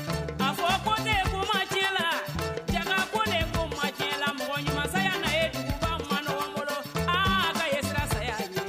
A fɔ ko ne kuma macɛ la cɛ ko ne kuma macɛ la mɔgɔ ɲumanya ye ka man bolo sira